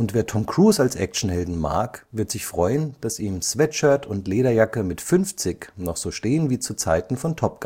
wer Tom Cruise als Actionhelden mag, wird sich freuen, dass ihm Sweatshirt und Lederjacke mit 50 noch so stehen wie zu Zeiten von „ Top